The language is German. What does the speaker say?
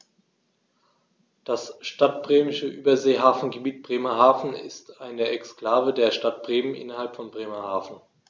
Das Stadtbremische Überseehafengebiet Bremerhaven ist eine Exklave der Stadt Bremen innerhalb von Bremerhaven.